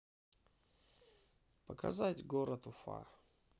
показать город уфа